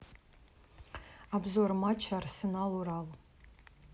обзор матча арсенал урал